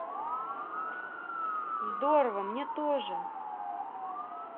здорово мне тоже